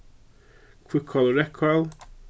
hvítkál og reyðkál